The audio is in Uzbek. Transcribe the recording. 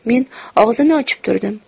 men og'zini ochib turdim